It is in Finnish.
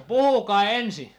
no puhukaa ensin